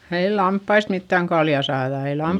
ei lampaista mitään kaljaa saada ei -